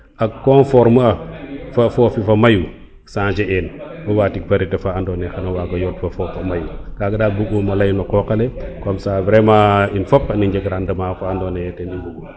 a conforme a fa fofi fa mayu changer en o ɓatik varieter fa ando naye xana wago yoon fo fofo mayu kaga dal dug uma ley no qoqale comme ca vraiment in fop xan i njeg rendement fa ando naye ten i mbugu